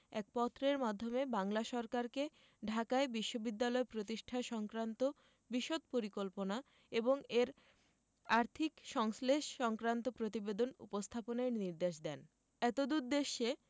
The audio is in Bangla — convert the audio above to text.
এক পত্রের মাধ্যমে বাংলা সরকারকে ঢাকায় বিশ্ববিদ্যালয় প্রতিষ্ঠা সংক্রান্ত বিশদ পরিকল্পনা এবং এর আর্থিক সংশ্লেষ সংক্রান্ত প্রতিবেদন উপস্থাপনের নির্দেশ দেন এতদুদ্দেশ্যে